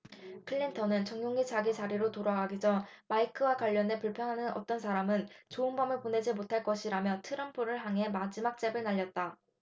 클린턴은 전용기 자기 자리로 돌아가기 전 마이크와 관련해 불평하는 어떤 사람은 좋은 밤을 보내지 못할 것이라며 트럼프를 향해 마지막 잽을 날렸다